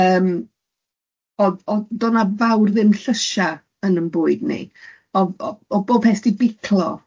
Yym odd odd dodd na fawr ddim llysiau yn ein bwyd ni. Oedd odd odd bob peth wedi biclo.